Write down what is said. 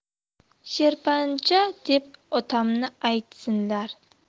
sherpanja deb otamni aytsinlar